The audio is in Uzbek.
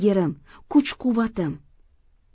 yerim kuch quvvatim